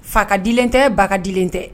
Fadilen tɛ badilen tɛ